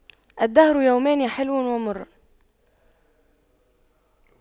الدهر يومان حلو ومر